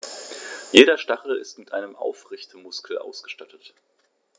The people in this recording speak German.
Jeder Stachel ist mit einem Aufrichtemuskel ausgestattet.